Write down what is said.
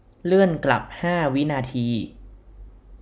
เลื่อนกลับห้าวินาที